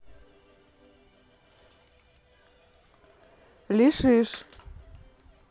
лишишь